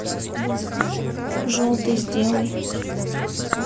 желтый сделай